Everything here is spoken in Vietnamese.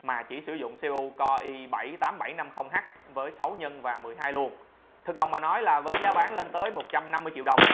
mà là bản sử dụng cpu i h nhân luồng thực lòng mà nói với giá bán lên tới triệu đồng